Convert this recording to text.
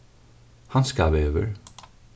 handskavegur